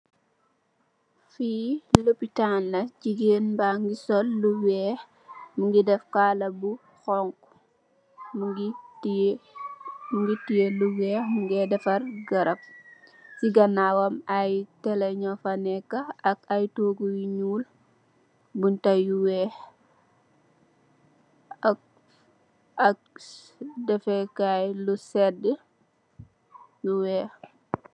Fi lopitan la, gigain bangy sol lu wekh, mungy def kaarlar bu honhu, mungy tiyeh, mungy tiyeh lu wekh mungeh defarr garab, cii ganawam aiiy tele njur fa neka ak aiiy tohgu yu njull, bunta yu wekh ak, ak defeh kaii lu sedue lu wekh.